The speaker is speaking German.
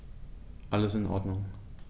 Alles in Ordnung.